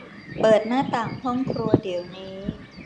เปิดหน้าต่างห้องครัวเดี๋ยวนี้